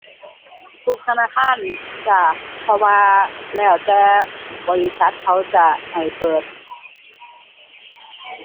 ทุกธนาคารจ้า เพราะว่าแล้วแต่บริษัทเขาจะให้เปิด